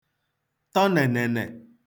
tọ nènènè